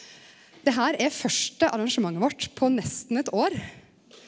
det her er første arrangementet vårt på nesten eit år.